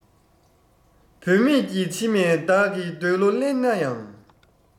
བུད མེད ཀྱི མཆི མས བདག གི འདོད བློ བརླན ན ཡང